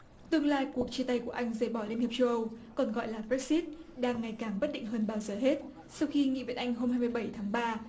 tương lai cuộc chia tay của anh rời bỏ liên hiệp châu âu còn gọi là bờ lách sít đang ngày càng bất định hơn bao giờ hết sau khi nghị viện anh hôm hai mươi bảy tháng ba